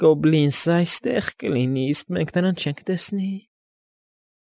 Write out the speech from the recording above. Գոբլինս֊ս֊սը այս֊ս֊ստեղ կլինի, իս֊ս֊սկ մենք նրան չենք տես֊ս֊սնի։